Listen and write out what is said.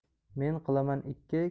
men qilaman ikki